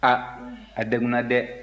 a a degunna dɛ